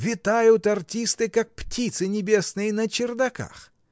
Витают артисты, как птицы небесные, на чердаках.